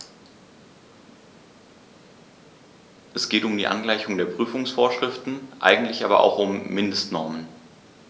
Es geht um die Angleichung der Prüfungsvorschriften, eigentlich aber auch um Mindestnormen.